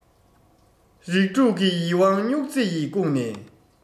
རིགས དྲུག གི ཡིད དབང སྨྱུག རྩེ ཡིས བཀུག ནས